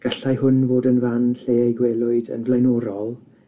Gallai hwn fod yn fan lle eu gwelwyd yn flaenorol